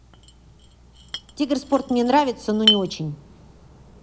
тигр спорт мне нравится но не очень